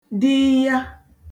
diiya